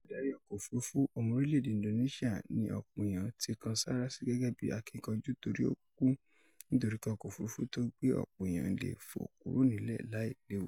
Adarí ọkọ̀-òfúrufú, ọmọ orílẹ̀-èdè Indonesia, ni ọ̀pọ̀ èèyàn ti kan sárá sí gẹ́gẹ́ bí akínkanjú torí ó kú nítorí kí ọkọ̀-òfúrufú tó gbé ọ̀pọ̀ èèyàn lè fò kúrò nílẹ̀ láì léwu.